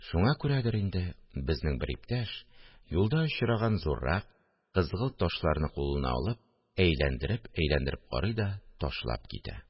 Шуңар күрәдер инде, безнең бер иптәш, юлда очраган зуррак, кызгылт ташларны кулына алып, әйләндереп-әйләндереп карый да ташлап китә